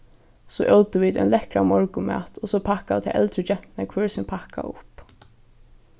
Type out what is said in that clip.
so ótu vit ein lekkran morgunmat og so pakkaðu tær eldru genturnar hvør sín pakka upp